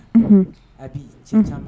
A bi ci caman